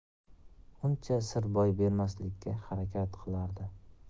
uncha sir boy bermaslikka harakat qilardi